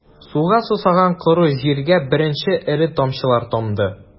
Суга сусаган коры җиргә беренче эре тамчылар тамды...